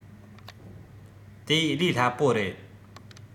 དེ ལས སླ པོ རེད